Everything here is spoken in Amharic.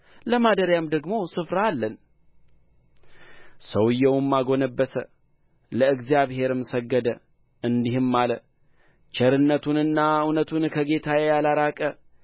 ለማደሪያም ደግሞ ስፍራ አለን ሰውዮውም አጎነበሰ ለእግዚአብሔርም ሰገደ እንዲህም አለ ቸርነቱንና እውነቱን ከጌታዬ ያላራቀ